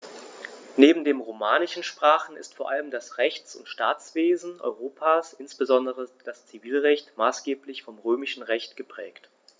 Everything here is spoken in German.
Neben den romanischen Sprachen ist vor allem das Rechts- und Staatswesen Europas, insbesondere das Zivilrecht, maßgeblich vom Römischen Recht geprägt.